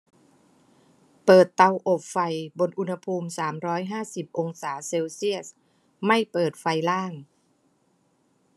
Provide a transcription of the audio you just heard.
เปิดเตาอบไฟบนอุณหภูมิสามร้อยห้าสิบองศาเซลเซียสไม่เปิดไฟล่าง